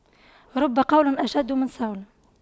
رب قول أشد من صول